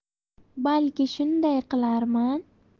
balki shunday qilarman